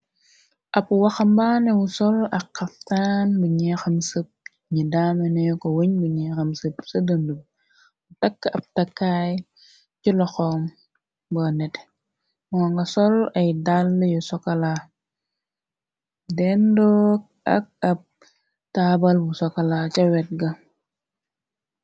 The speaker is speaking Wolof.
ab waxambaane bu sol ak xaftaan bi ñey xam sëp ñi daamene ko wuñ bi ñey xam sëp sa dënd b bu takk ab takkaay ci loxoom ba nete moo nga sol ay dàl yu sokala dendook ak ab taabal bu sokala ca wet ga